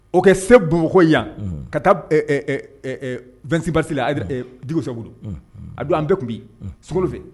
O kɛ se bamakɔko yan . Ka taa ɛɛ 26 mars la . Unhun Diko sababu don. Unhun o don an bɛɛ kun be yen . Sunkalo fɛ